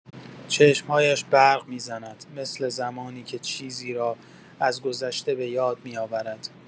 چشم‌هایش برق می‌زند، مثل زمانی که چیزی را از گذشته بۀاد می‌آورد.